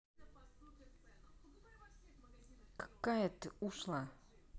какая ты ушлая